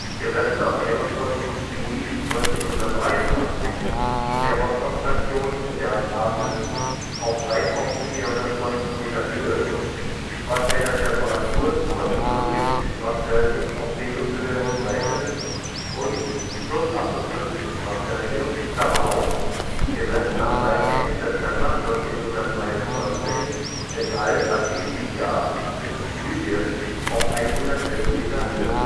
gemessen am 21. Juli 1983 in der Wostok-Station in der Antarktis auf 3.420 Metern Höhe, was einer Temperatur von −60 °C auf Meereshöhe entspräche) und +58 °C (gemessen am 13. September 1922 in Al -' Azīziyah in Libyen auf 111 Metern Höhe